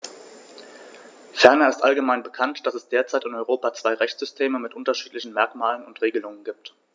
Ferner ist allgemein bekannt, dass es derzeit in Europa zwei Rechtssysteme mit unterschiedlichen Merkmalen und Regelungen gibt.